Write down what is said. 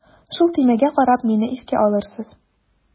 Шул төймәгә карап мине искә алырсыз.